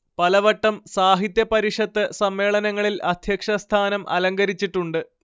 പലവട്ടം സാഹിത്യ പരിഷത്ത് സമ്മേളനങ്ങളിൽ അധ്യക്ഷസ്ഥാനം അലങ്കരിച്ചിട്ടുണ്ട്